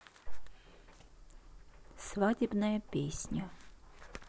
свадебная песня